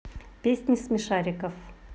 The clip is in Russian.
песни смешариков